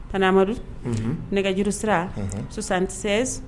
Tan amadu nɛgɛjuru sira sisansansen